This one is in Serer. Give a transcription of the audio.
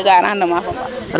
Jega rendement fa mbaax?